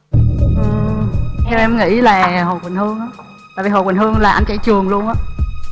ờ em nghĩ là hồ quỳnh hương á tại vì hồ quỳnh hương là ăn chay trường luôn á